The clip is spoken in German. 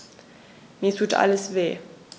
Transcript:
Mir tut alles weh.